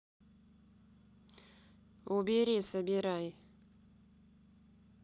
убери собирай